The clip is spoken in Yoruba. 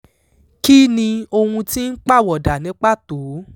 Kí ni ohun tí ń pàwọ̀dà ní pàtó?